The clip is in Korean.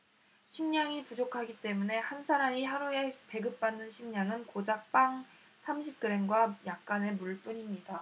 식량이 부족하기 때문에 한 사람이 하루에 배급받는 식량은 고작 빵 삼십 그램과 약간의 물뿐입니다